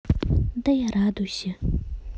да я радуйся